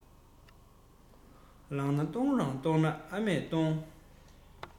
ལང ལ གཏོང རང གཏོང ན ཨ མས གཏོང